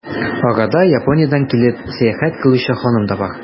Арада, Япониядән килеп, сәяхәт кылучы ханым да бар.